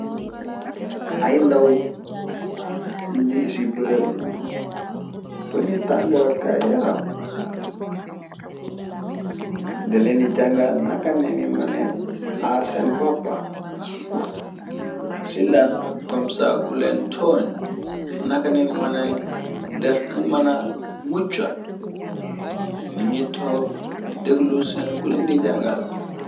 Ay ndaw njing ci bërëb funi tangka kai yaram. Daleeni jàngal naka leni mënay aar sen boppe, ci lan kom sa kuleen ton. Nakaleeni mënay def bu mëna mucha, ni ngi toog di dëglu seen kuleen di jàngal.